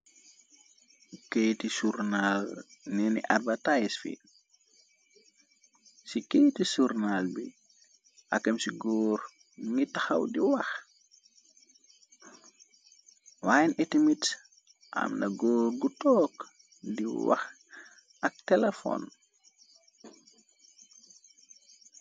Kéyti journal neni abattise fi ci keyti journal bi akam ci góor ni taxaw di wax. Whyne ati mit amna góor gu took di wax ak telefon.